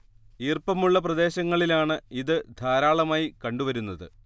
ഈർപ്പമുള്ള പ്രദേശങ്ങളിലാണ് ഇത് ധാരാളമായി കണ്ടുവരുന്നത്